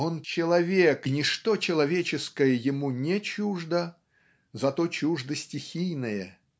он - человек, и ничто человеческое ему не чуждо, зато чуждо стихийное.